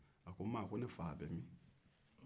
a k ne fa ye jɔn ye maa